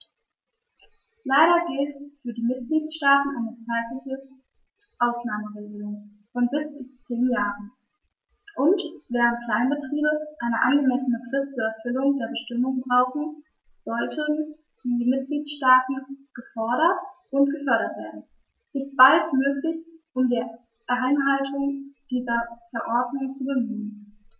Leider gilt für die Mitgliedstaaten eine zeitliche Ausnahmeregelung von bis zu zehn Jahren, und, während Kleinbetriebe eine angemessene Frist zur Erfüllung der Bestimmungen brauchen, sollten die Mitgliedstaaten gefordert und gefördert werden, sich baldmöglichst um die Einhaltung dieser Verordnung zu bemühen.